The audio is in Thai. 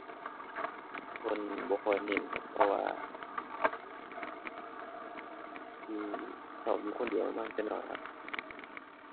เพิ่นบ่ค่อยเน้นครับ เพราะว่า อยู่ ชอบอยู่คนเดียวมาตั้งแต่น้อยครับ